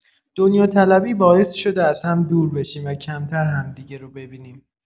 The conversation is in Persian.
دنیاطلبی باعث شده از هم دور بشیم و کمتر همدیگه رو ببینیم.